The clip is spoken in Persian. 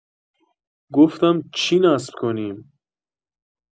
گفتم: «چی نصب کنیم؟»